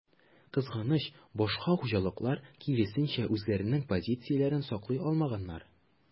Кызганыч, башка хуҗалыклар, киресенчә, үзләренең позицияләрен саклый алмаганнар.